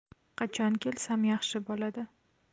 qachon kelsam yaxshi bo'ladi